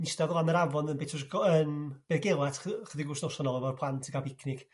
'istadd ar lan yr afon yn Betws y Co- yn Be' Gelart 'ch- yrr 'chydig w'snosa nol efo'r plant yn ca'l picnic.